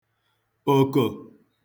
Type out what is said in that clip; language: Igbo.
òkò